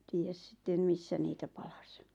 tiedä sitten missä niitä palaisi